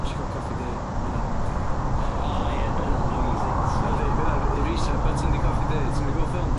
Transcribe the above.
Neshi ga'l coffi du ma' ynna'n O ie ma' ynna'n re-setio. Yndi ma' ynna'n yy re-set button 'di coffi du, ti'm 'di gweld ffilms?